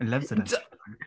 Loves a red... d- y- ...flag.